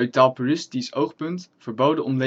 taalpuristisch oogpunt verboden om